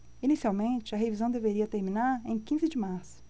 inicialmente a revisão deveria terminar em quinze de março